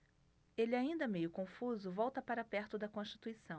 ele ainda meio confuso volta para perto de constituição